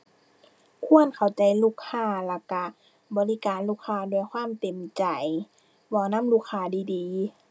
ควรเข้าใจลูกค้า แล้วก็บริการลูกค้าด้วยความเต็มใจ เว้านำลูกค้าดีดี